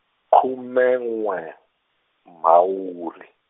khume n'we Mhawuri.